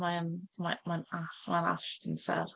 Mae yn, mae mae'n, all- mae'r allt yn serth.